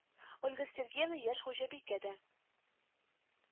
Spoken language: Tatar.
Ольга Сергеевна яшь хуҗабикә дә